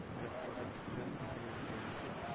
– аяклары төптән селкенә икән